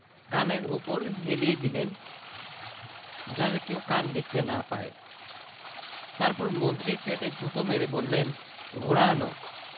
কানের উপর হেলিয়ে দিলেন যাতে কেউ কান দেখতে না পায় তারপর মন্ত্রীর পেটে গুতো মেরে বললেন ঘোড়া আন